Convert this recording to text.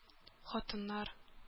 Хатыннар